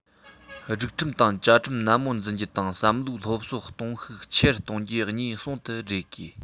སྒྲིག ཁྲིམས དང བཅའ ཁྲིམས ནན པོ འཛིན རྒྱུ དང བསམ བློའི སློབ གསོ གཏོང ཤུགས ཆེ རུ གཏོང རྒྱུ གཉིས ཟུང དུ སྦྲེལ དགོས